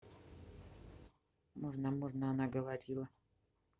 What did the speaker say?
можно можно она говорила